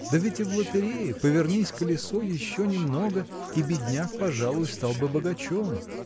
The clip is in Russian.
да ведь и в лотерее -- повернись колесо еще немного, и бедняк, пожалуй, стал бы богачом.